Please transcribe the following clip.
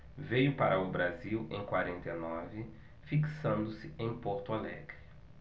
veio para o brasil em quarenta e nove fixando-se em porto alegre